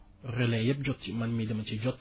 relais yépp jot ci man mii dama ciy jot